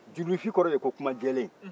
jurulifi kɔrɔ de ko kuma jɛlen